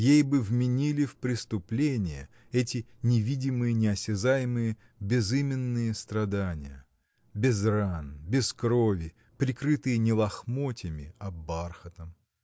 Ей бы вменили в преступление эти невидимые неосязаемые безыменные страдания без ран без крови прикрытые не лохмотьями а бархатом.